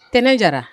Tɛnɛ jara